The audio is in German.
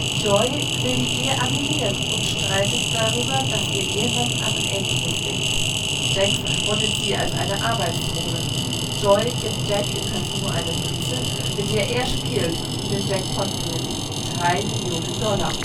Joy will die Ehe annullieren und streitet darüber, dass ihr Ehemann an Ähnliches denkt. Jack verspottet sie als eine Arbeitsdrohne. Joy gibt Jack im Casino eine Münze, mit der er spielt und den Jackpot gewinnt – drei Millionen Dollar